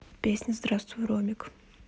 песня здравствуй ромик